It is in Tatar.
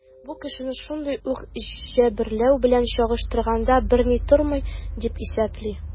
Бу кешене шундый ук җәберләү белән чагыштырганда берни тормый, дип исәпли.